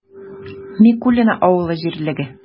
Микулино авыл җирлеге